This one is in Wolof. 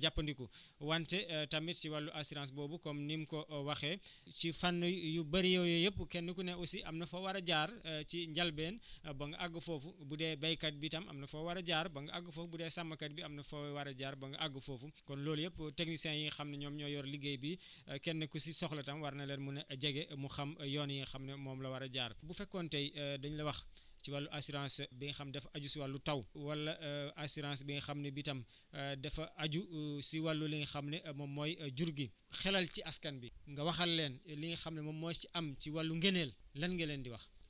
jàppandiku wante tamit si wàllu assurance boobu comme nim ko waxee ci fànn yu bëri yooyu yëpp kenn ku ne aussi am na foo war a jaar ci njëlbéen ba nga àgg foofu bu dee béykat bi tam am nga foo war a jaar ba nga àgg foofu bu dee sàmmkat bi am na foo war a jaar ba nga àgg foofu kon loolu yëpp techniciens yi nga xam ni ñoom ñooy yor liggéey bi kenn ku si soxla tam war na la mun a jege mu xam yoon yi nga xam ne moom la war a jaar bu fekkoon tey dañ la wax ci wàllu assurance bi nga xam daf aju si wàllu taw wala assurance bi nga xam ni bi tam dafa aju si wàllu li nga xam ne moom mooy jur gi xelal ci askan bi nga waxal leen li nga xam ne moom moo ci am ci wàllu ngëneel lan nga leen di wax